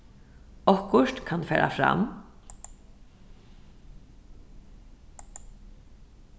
okkurt kann fara fram